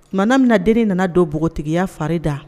Ma min na den nana don npogotigiya fari da